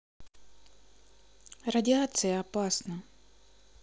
радиация опасна